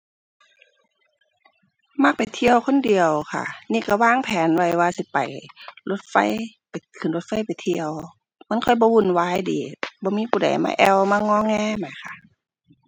มักไปเที่ยวคนเดียวค่ะ นี่ก็วางแผนไว้ว่าสิไปรถไฟ ไป ขึ้นรถไฟไปเที่ยว มันค่อยบ่วุ่นวายดี บ่มีผู้ใดมาแอ่วมางอแงแหมค่ะ